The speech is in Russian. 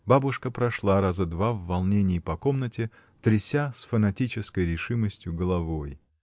Бабушка прошла раза два в волнении по комнате, тряся с фанатической решимостью головой.